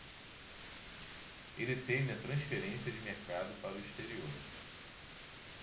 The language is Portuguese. ele teme a transferência de mercado para o exterior